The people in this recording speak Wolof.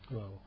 waaw